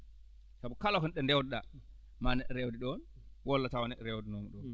sabu kala ko ɗo ndewnoɗaa maa neɗɗo rewde ɗoon walla taw neɗɗo rewdanooma ɗum